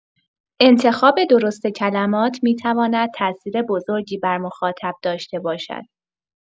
انتخاب درست کلمات می‌تواند تاثیر بزرگی بر مخاطب داشته باشد.